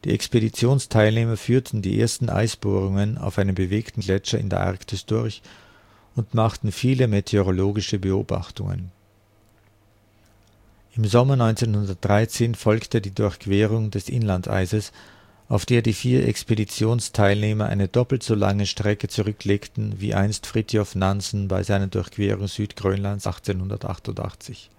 Expeditionsteilnehmer führten die ersten Eisbohrungen auf einem bewegten Gletscher in der Arktis durch und machten viele meteorologische Beobachtungen. Im Sommer 1913 folgte die Durchquerung des Inlandeises, auf der die vier Expeditionsteilnehmer eine doppelt so lange Strecke zurücklegten wie einst Fridtjof Nansen bei seiner Durchquerung Südgrönlands 1888